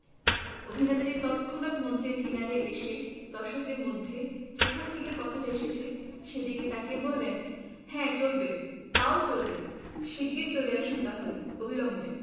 অভিনেতাটি তৎক্ষনাত মঞ্চের কিনারে এসে দর্শকদের মধ্যে যেখান থেকে কথাটা এসেছে সেদিকে তাকিয়ে বললেন হ্যাঁ চলবে তাও চলবে শিগগির চলে আসুন তাহলে অবিলম্বে